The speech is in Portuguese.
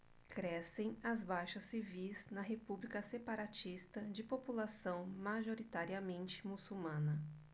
crescem as baixas civis na república separatista de população majoritariamente muçulmana